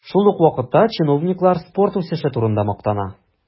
Шул ук вакытта чиновниклар спорт үсеше турында мактана.